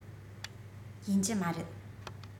ཡིན གྱི མ རེད